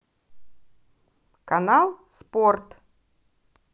канал спорт